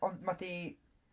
Ond mae 'di...